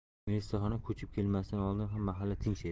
milisaxona ko'chib kelmasidan oldin ham mahalla tinch edi